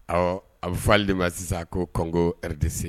Ɔ a bɛ fɔ ale ma sisan ko Congo RDC